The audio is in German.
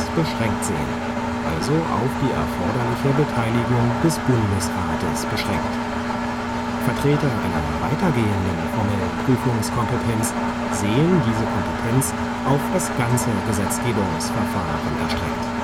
beschränkt sehen, also auf die erforderliche Beteiligung des Bundesrates beschränkt. Vertreter einer weitergehenden formellen Prüfungskompetenz sehen die Kompetenz auf das ganze Gesetzgebungsverfahren erstreckt